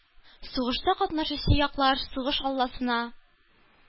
Сугышта катнашучы яклар сугыш алласына